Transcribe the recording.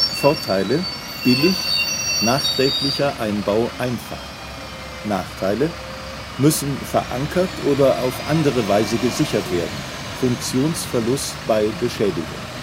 Vorteile: billig, nachträglicher Einbau einfach Nachteile: müssen verankert oder auf andere Weise gesichert werden, Funktionsverlust bei Beschädigung